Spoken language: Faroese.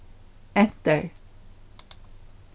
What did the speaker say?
enter